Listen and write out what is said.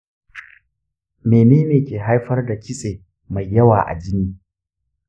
menene ke haifar da kitse mai yawa a jini?